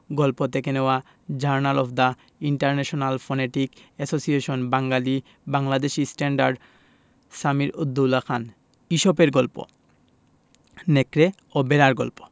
গল্প থেকে নেওয়া Journal of the International Phonetic Association Bengali Bangladeshi standard Samir ud Daula Khan ইসপের গল্প নেকড়ে ও ভেড়ার গল্প